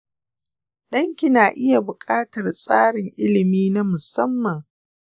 ɗan ki na iya buƙatar tsarin ilimi na musamman.